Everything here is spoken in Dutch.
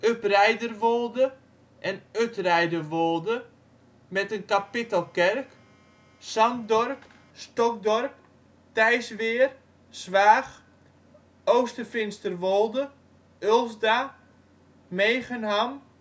Up-Reiderwolde en Ut-Reiderwolde (met een kapittelkerk), San (t) dorp, Stockdorp, Tijsweer, Zwaag, Ooster-Finsterwolde, Ulsda, Megenham